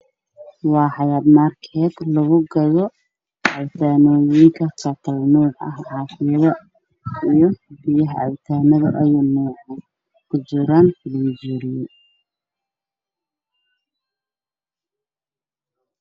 Waa xayaat markeet lagu gado cabitaanoyinka kala nooc ah caafiyado iyo biyaha cabitaanada ayu nooc ah ku juraan